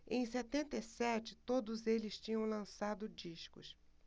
em setenta e sete todos eles tinham lançado discos